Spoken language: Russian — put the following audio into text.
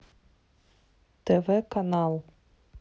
тв канал